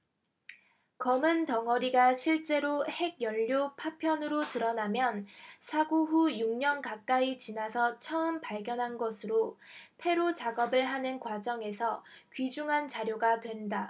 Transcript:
검은 덩어리가 실제로 핵연료 파편으로 드러나면 사고 후 육 년 가까이 지나서 처음 발견한 것으로 폐로작업을 하는 과정에서 귀중한 자료가 된다